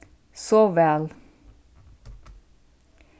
sov væl